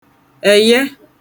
ẹ̀yẹ